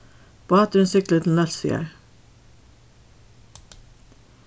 báturin siglir til nólsoyar